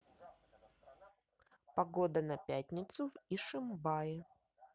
погода на пятницу в ишимбае